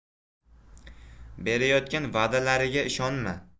berayotgan va'dalariga ishonma